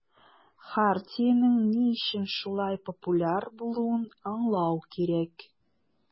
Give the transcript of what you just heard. Хартиянең ни өчен шулай популяр булуын аңлау кирәк.